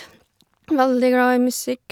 Veldig glad i musikk.